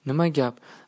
nima gap